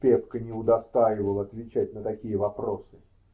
Пепка не удостаивал отвечать на такие вопросы